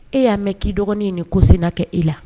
E ya mɛn ki dɔgɔnin ye nin ko sina kɛ i la.